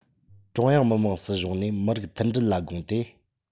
ཀྲུང དབྱང མི དམངས སྲིད གཞུང ནས མི རིགས མཐུན སྒྲིལ ལ དགོངས ཏེ